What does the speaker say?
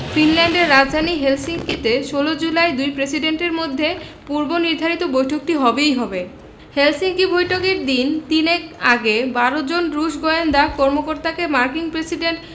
ফিনল্যান্ডের রাজধানী হেলসিঙ্কিতে ১৬ জুলাই দুই প্রেসিডেন্টের মধ্যে পূর্বনির্ধারিত বৈঠকটি হবেই হবে হেলসিঙ্কি বৈঠকের দিন তিনেক আগে ১২ জন রুশ গোয়েন্দা কর্মকর্তাকে মার্কিন প্রেসিডেন্ট